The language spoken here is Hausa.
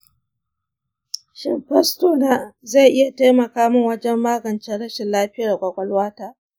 shin fastona zai iya taimaka min wajen magance rashin lafiyar ƙwaƙwalwata?